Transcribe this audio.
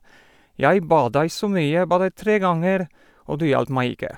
Jeg ba deg så mye, ba deg tre ganger, og du hjalp meg ikke.